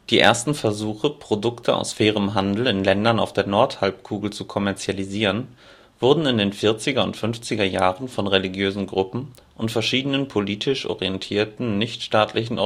ersten Versuche, Produkte aus fairem Handel in Ländern auf der Nordhalbkugel zu kommerzialisieren, wurden in den vierziger und fünfziger Jahren von religiösen Gruppen und verschiedenen politisch orientierten nichtstaatlichen